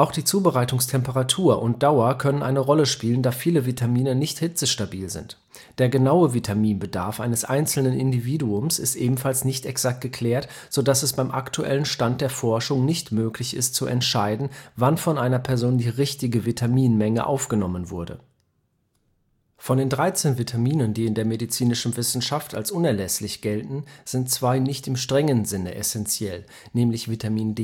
die Zubereitungstemperatur und - dauer können eine Rolle spielen, da viele Vitamine nicht hitzestabil sind. Der genaue Vitaminbedarf eines einzelnen Individuums (siehe unten) ist ebenfalls nicht exakt geklärt, so dass es beim aktuellen Stand der Forschung nicht möglich ist zu entscheiden, wann von einer Person die „ richtige “Vitaminmenge aufgenommen wurde. Orange, klassischer Vitamin-C-Spender Von den 13 Vitaminen, die in der medizinischen Wissenschaft als unerlässlich gelten, sind zwei nicht in strengem Sinne essentiell, nämlich Vitamin